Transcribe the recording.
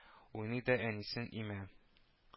Уйный да әнисен имә